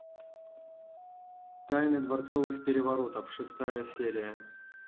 тайны дворцовых переворотов шестая серия